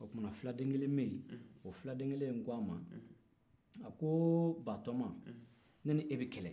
o tumana fuladen kelen bɛ yen o fulade kelen in k'a ma a ko batoma ne n'e bɛ kɛlɛ